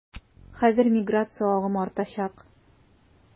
Хәзер миграция агымы артачак.